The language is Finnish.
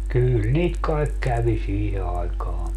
kyllä niitä kai kävi siihen aikaan